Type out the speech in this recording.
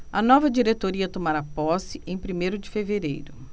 a nova diretoria tomará posse em primeiro de fevereiro